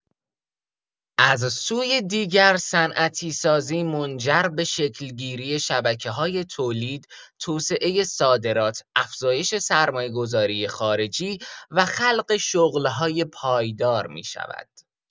از سوی دیگر، صنعتی‌سازی منجر به شکل‌گیری شبکه‌های تولید، توسعۀ صادرات، افزایش سرمایه‌گذاری خارجی و خلق شغل‌های پایدار می‌شود.